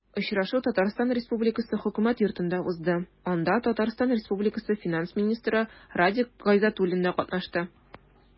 Очрашу Татарстан Республикасы Хөкүмәт Йортында узды, анда ТР финанс министры Радик Гайзатуллин да катнашты.